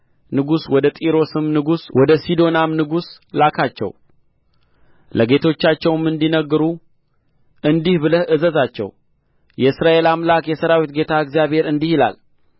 ንጉሥ ወደ ጢሮስም ንጉሥ ወደ ሲዶናም ንጉሥ ላካቸው ለጌቶቻቸውም እንዲነግሩ እንዲህ ብለህ እዘዛቸው የእስራኤል አምላክ የሠራዊት ጌታ እግዚአብሔር እንዲህ ይላል